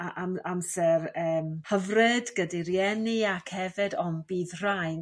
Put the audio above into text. a am- amser eem hyfryd gyda'i rieni ac hefyd ond bydd rhai